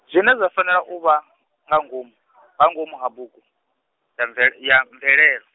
zwine zwa fanela u vha, nga ngomu , nga ngomu ha bugu, ya mve- ya mvelele.